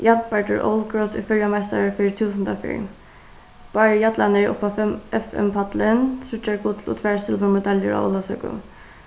jarnbardur old girls er føroyameistari fyri túsunda ferð báðir jallarnir upp á fm-pallin tríggjar gull og tvær silvurmedaljur á ólavsøku